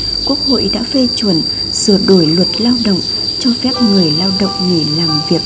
quốc hội đã phê chuẩn sửa đổi luật lao động cho phép người lao động nghỉ làm việc